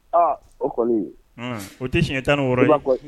Aa o kɔni, o tɛ siɲɛ 16 ye